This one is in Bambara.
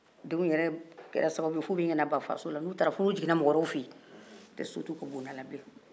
denw yɛrɛ kɛra sababu ye f'u bɛ ɲinin kana ban faso la n'u taara fɔ n'u jiginna mɔgɔ wɛrɛw fɛ yen n'o tɛ so t'u ka bulonda la bile